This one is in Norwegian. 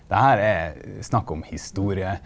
det her er snakk om historie.